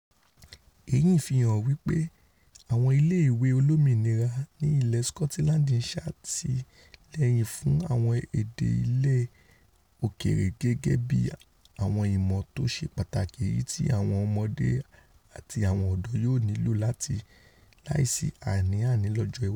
Èyì ńfihàn wí pé àwọn ilé ìwé olómìnira ní ilẹ Sikọtilandi ńṣàtílẹ́yìn fún àwọn èdè ilẹ̀ òkèèrè gẹ́gẹ́bí àwọn ìmọ̀ tóṣe pàtàkì èyìtí àwọn ọmọdé àti àwọn ọ̀dọ́ yóò nílò láisì àní-àní lọ́jọ́ iwájú.